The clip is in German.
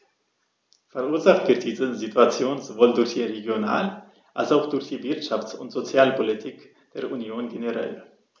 Verursacht wird diese Situation sowohl durch die Regional- als auch durch die Wirtschafts- und Sozialpolitik der Union generell.